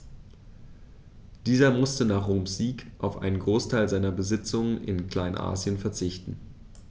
Dieser musste nach Roms Sieg auf einen Großteil seiner Besitzungen in Kleinasien verzichten.